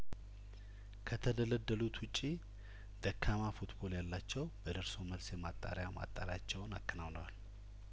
ከተደለደሉት ውጪ ደካማ ፉትቦል ያላቸው በደርሶ መልስ የማጣሪያማጣሪያቸውን አከናውነዋል